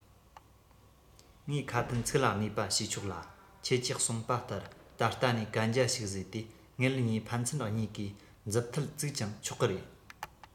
ངས ཁ དན ཚིག ལ གནས པ ཞུས ཆོག ལ ཁྱེད ཀྱིས གསུང པ ལྟར ད ལྟ ནས གན རྒྱ ཞིག བཟོས ཏེ ངེད གཉིས ཕན ཚུན གཉིས ཀའི མཛུབ ཐེལ བཙུགས ཀྱང ཆོག གི རེད